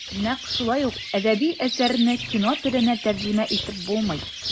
Нәкъ шулай ук әдәби әсәрне кино теленә тәрҗемә итеп булмый.